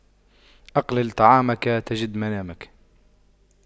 أقلل طعامك تجد منامك